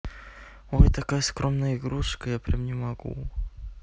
ой такая скромная игрушка я прям не могу